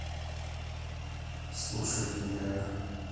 слушать медляк